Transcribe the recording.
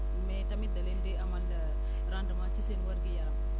mais tamit da leen d amal rendement ci seen wér-gu-yaram